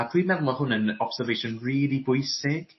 A dwi'n meddwl ma' hwn yn observation rili bwysig.